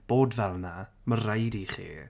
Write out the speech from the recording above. Bod fel 'na. Mae rhaid i chi.